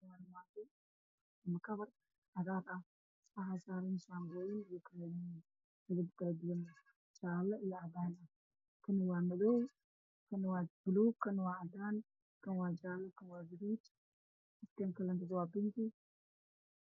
Meeshaan waxaa ka muuqdo kabar cadaan iyo cagaar isugu jira ah waxaa saaran shaambooyin kaleemo saliiddo mid waa cagaar mid waa cadaan mid waa jaale